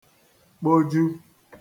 kpoju